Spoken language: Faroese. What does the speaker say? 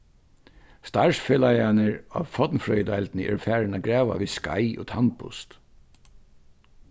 starvsfelagarnir á fornfrøðideildini eru farin at grava við skeið og tannbust